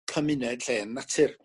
cymuned llên natur